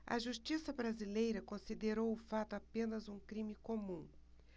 a justiça brasileira considerou o fato apenas um crime comum